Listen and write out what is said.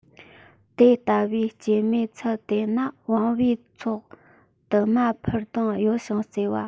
དེ ལྟ བུའི སྐྱེད མོས ཚལ དེ ན བུང བའི ཚོགས དུ མ འཕུར ལྡིང གཡོ ཞིང རྩེ བ